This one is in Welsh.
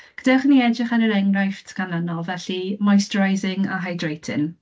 Gadewch i ni edrych ar yr enghraifft ganlynol, felly moisturising a hydrating.